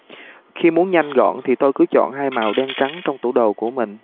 khi muốn nhanh gọn thì tôi cứ chọn hai màu đen trắng trong tủ đồ của mình